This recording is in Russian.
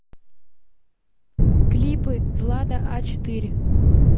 клипы влада а четыре